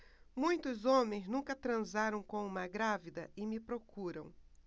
muitos homens nunca transaram com uma grávida e me procuram